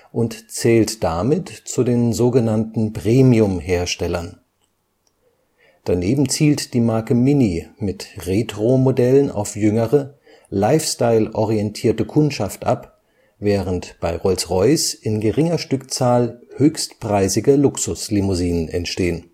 und zählt damit zu den sogenannten Premiumherstellern. Daneben zielt die Marke Mini mit Retro-Modellen auf jüngere, lifestyle-orientierte Kundschaft ab, während bei Rolls-Royce in geringer Stückzahl höchstpreisige Luxuslimousinen entstehen